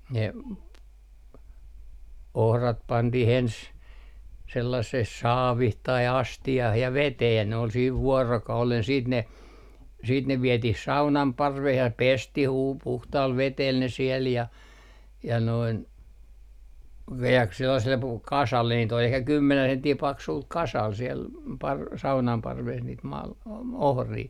ne ohrat pantiin ensin sellaiseen saaviin tai astiaan ja veteen ja ne oli siinä vuorokauden sitten ne sitten ne vietiin saunan parveen ja pestiin - puhtaalla vedellä ne siellä ja ja noin - sellaiselle - kasalle niitä oli ehkä kymmenen senttiä paksulla kasalla siellä - saunan parvessa niitä - ohria